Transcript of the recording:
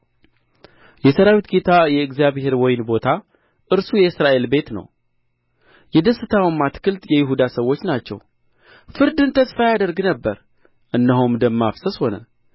የሠራዊት ጌታ የእግዚአብሔር ወይን ቦታ እርሱ የእስራኤል ቤት ነው የደስታውም አትክልት የይሁዳ ሰዎች ናቸው ፍርድን ተስፋ ያደርግ ነበር እነሆም ደም ማፍሰስ ሆነ